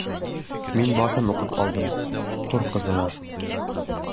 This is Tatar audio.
Мин башын укып алдым: “Хур кызына”.